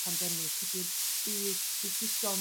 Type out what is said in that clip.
pandemic ydy'r byd digidol